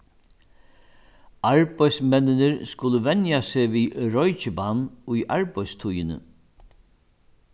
arbeiðsmenninir skulu venja seg við roykibann í arbeiðstíðini